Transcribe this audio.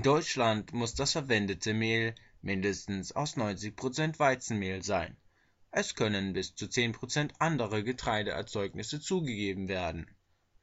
Deutschland muss das verwendete Mehl mindestens aus 90 % Weizenmehl sein. Es können bis zu zehn Prozent andere Getreideerzeugnisse zugegeben werden.